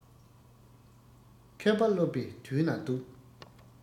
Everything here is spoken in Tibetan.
མཁས པ སློབ པའི དུས ན སྡུག